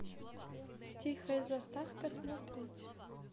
тихая застава смотреть